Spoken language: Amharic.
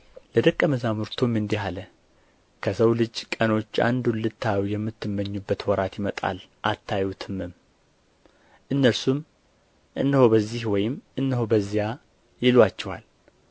ለደቀ መዛሙርቱም እንዲህ አለ ከሰው ልጅ ቀኖች አንዱን ልታዩ የምትመኙበት ወራት ይመጣል አታዩትምም እነርሱም እነሆ በዚህ ወይም እነሆ በዚያ ይሉአችኋል